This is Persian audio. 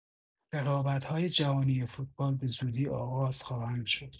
رقابت‌های جهانی فوتبال به‌زودی آغاز خواهند شد.